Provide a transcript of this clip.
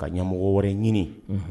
Ka ɲɛmɔgɔ wɛrɛ ɲini